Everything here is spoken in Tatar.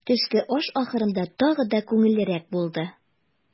Төшке аш ахырында тагы да күңеллерәк булды.